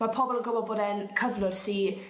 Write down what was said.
Ma' pobol yn gwbo bod e'n cyflwr sy